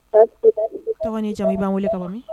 Tɔgɔ ni jamu i b'an wele ka min?